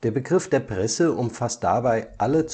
Begriff der Presse umfasst dabei alle